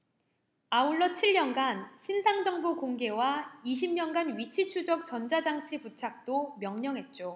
아울러 칠 년간 신상정보 공개와 이십 년간 위치추적 전자장치 부착도 명령했죠